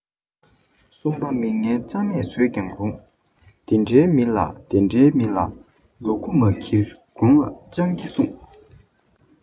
གསུམ པ མི ངན རྩ མེད བཟོས ཀྱང རུང དེ འདྲའི མི ལ དེ འདྲའི མི ལ ལུ གུ མ འཁྱེར གོང ལ སྤྱང ཀི སྲུངས